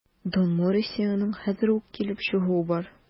Дон Морисионың хәзер үк килеп чыгуы бар.